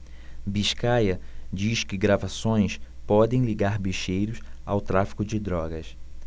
biscaia diz que gravações podem ligar bicheiros ao tráfico de drogas